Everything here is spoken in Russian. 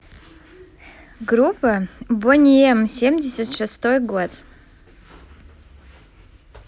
группа boney m семьдесят шестой год